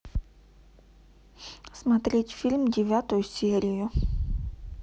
смотреть фильм девятую серию